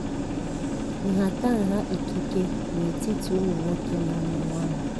Nhatanha ikike n’etiti ụmụ nwoke na ụmụ nwaanyị